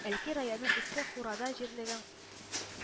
Әлки районы Иске Хурада җирлеген